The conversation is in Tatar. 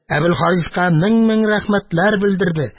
Әбелхариска мең-мең рәхмәтләр белдерде.